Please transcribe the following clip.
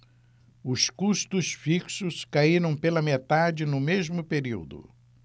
os custos fixos caíram pela metade no mesmo período